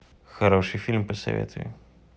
хороший фильм посоветуй